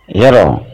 Hɛrɛ